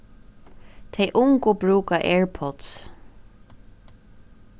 tey ungu brúka airpods